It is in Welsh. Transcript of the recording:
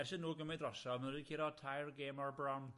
Ers i nw gymryd drosodd, ma' nw 'di curo tair gêm o'r bron.